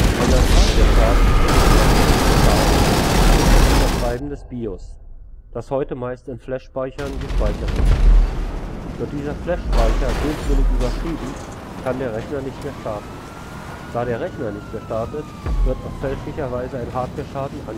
Ein als Hardwareschaden missinterpretierter Schaden ist das Überschreiben des BIOS, das heute meist in Flash-Speichern gespeichert ist. Wird dieser Flash-Speicher böswillig überschrieben, kann der Rechner nicht mehr starten. Da der Rechner nicht mehr startet, wird oft fälschlicherweise ein Hardwareschaden angenommen. Der